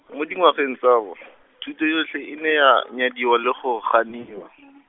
mo dingwageng tsa bo , thuto yotlhe e ne ya nyadiwa le go ganiwa.